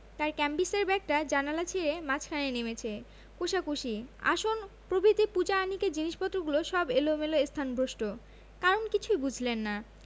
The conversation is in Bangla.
তাঁর ক্যাম্বিসের ব্যাগটা জানালা ছেড়ে মাঝখানে নেমেচে কোষাকুষি আসন প্রভৃতি পূজা আহ্নিকের জিনিসপত্রগুলো সব এলোমেলো স্থানভ্রষ্ট কারণ কিছুই বুঝলেন না